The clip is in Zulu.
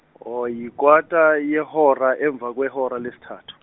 oh yikota yehora emva kwe hora lesithathu.